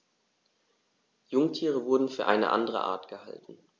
Jungtiere wurden für eine andere Art gehalten.